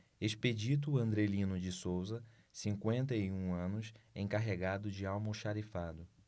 expedito andrelino de souza cinquenta e um anos encarregado de almoxarifado